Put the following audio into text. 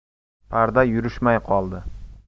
parda yurishmay qoldi